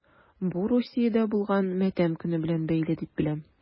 Бу Русиядә булган матәм көне белән бәйле дип беләм...